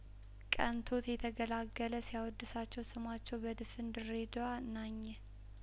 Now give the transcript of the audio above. ቀንቶት የተገላገለ ሲያወድሳቸው ስማቸው በድፍን ድሬዳዋ ናኘ